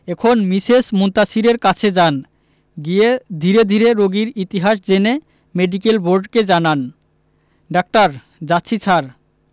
এখন মিসেস মুনতাসীরের কাছে যান গিয়ে ধীরে ধীরে রোগীর ইতিহাস জেনে মেডিকেল বোর্ডকে জানান ডাক্তার যাচ্ছি স্যার